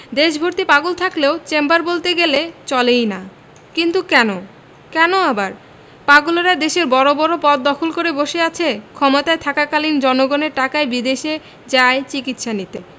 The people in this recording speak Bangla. দেশভর্তি পাগল থাকলেও চেম্বার বলতে গেলে চলেই না কিন্তু কেন কেন আবার পাগলেরা দেশের বড় বড় পদ দখল করে বসে আছে ক্ষমতায় থাকাকালীন জনগণের টাকায় বিদেশে যায় চিকিৎসা নিতে